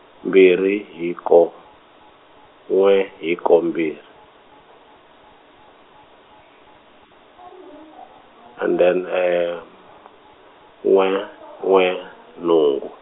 mbirhi hiko, n'we hiko mbirhi , and then , n'we n'we nhungu.